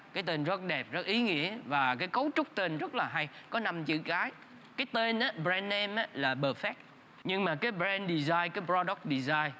cái tên rất đẹp rất ý nghĩa và cái cấu trúc tên rất là hay có năm chữ cái tên tên ớ bờ re nem là bờ phét nhưng mà cái bờ ren đì dai cái bờ rô đốc đì dai